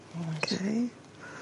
O reit. 'K?